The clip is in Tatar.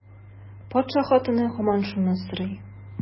Патша хатыны һаман шуны сорый.